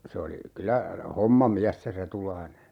se oli kyllä hommamies se Retulainen